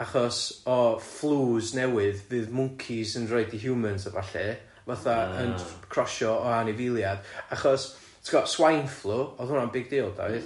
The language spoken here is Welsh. achos o flues newydd fydd mwncis yn rhoid i humans a ballu, fatha yn crossio o anifeiliaid achos ti'n gwbod swine flu o'dd hwnna'n big deal doedd? M-hm.